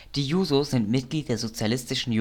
Die Jusos sind Mitglied der Sozialistischen